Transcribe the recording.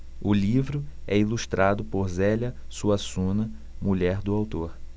o livro é ilustrado por zélia suassuna mulher do autor